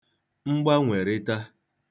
mgbanwèrịta